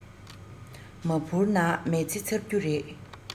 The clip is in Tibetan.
མ འཕུར ན མི ཚེ ཚར རྒྱུ རེད